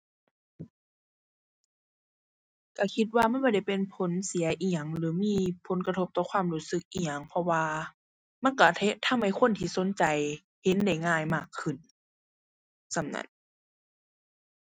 ก็คิดว่ามันบ่ได้เป็นผลเสียอิหยังหรือมีผลกระทบต่อความรู้สึกอิหยัง เพราะว่ามันก็ ทำให้คนที่สนใจเห็นได้ง่ายมากขึ้น ส่ำนั้น